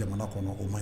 Jamana ko ko ma ye